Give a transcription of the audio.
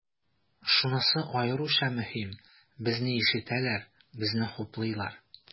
Шунысы аеруча мөһим, безне ишетәләр, безне хуплыйлар.